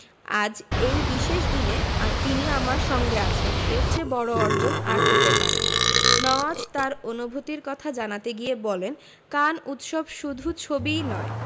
আজ এই বিশেষ দিনে তিনি আমার সঙ্গে আছেন এর চেয়ে বড় অর্জন আর হতে পারে না নওয়াজ তার অনুভূতির কথা জানাতে গিয়ে বলেন কান উৎসব শুধু ছবিই নয়